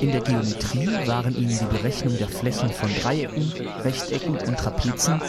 der Geometrie waren ihnen die Berechnung der Flächen von Dreiecken, Rechtecken und Trapezen